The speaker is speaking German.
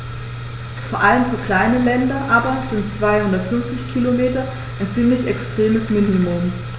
Vor allem für kleine Länder aber sind 250 Kilometer ein ziemlich extremes Minimum.